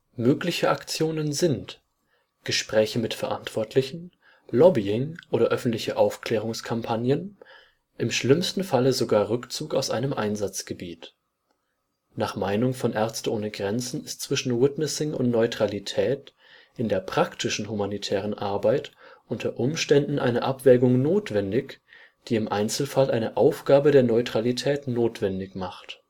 Mögliche Aktionen sind: Gespräche mit Verantwortlichen, Lobbying oder öffentliche Aufklärungskampagnen, im schlimmsten Falle sogar Rückzug aus einem Einsatzgebiet. Nach Meinung von MSF ist zwischen Witnessing und Neutralität in der praktischen humanitären Arbeit unter Umständen eine Abwägung notwendig, die im Einzelfall eine Aufgabe der Neutralität notwendig macht